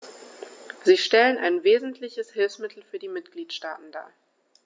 Sie stellen ein wesentliches Hilfsmittel für die Mitgliedstaaten dar.